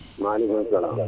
maleykum salam